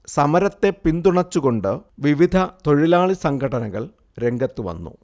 സമരത്തെ പിന്തുണച്ചുകൊണ്ട് വിവിധതൊഴിലാളി സംഘടനകൾ രംഗത്തു വന്നു